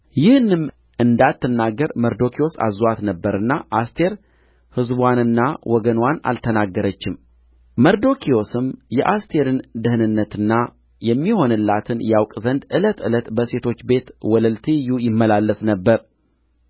ይህንም እንዳትናገር መርዶክዮስ አዝዞአት ነበርና አስቴር ሕዝብዋንና ወገንዋን አልተናገረችም መርዶክዮስም የአስቴርን ደኅንነትና የሚሆንላትን ያውቅ ዘንድ ዕለት ዕለት በሴቶች ቤት ወለል ትይዩ ይመላለስ ነበር